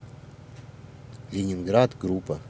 ленинград группа